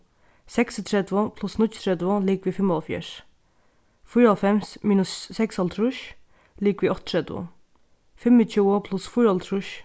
seksogtretivu pluss níggjuogtretivu ligvið fimmoghálvfjerðs fýraoghálvfems minus seksoghálvtrýss ligvið áttaogtretivu fimmogtjúgu pluss fýraoghálvtrýss